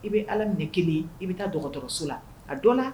I bɛ allah minɛ kelen yen, i bɛ taa dɔgɔtɔrɔso la a dɔ la